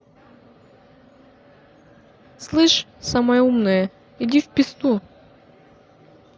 слышь самая умная иди в песту